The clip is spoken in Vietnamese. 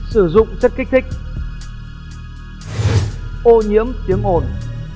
sử dụng chất kích thích ô nhiễm tiếng ồn